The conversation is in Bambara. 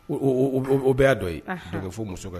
O bɛ y'a dɔ yen o kɛ fo muso kɛ